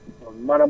waaw